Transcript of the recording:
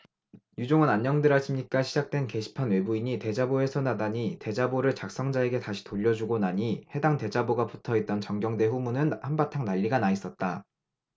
유종헌안녕들 하십니까 시작된 게시판 외부인이 대자보 훼손하다니대자보를 작성자에게 다시 돌려주고 나니 해당 대자보가 붙어있던 정경대 후문은 한바탕 난리가 나 있었다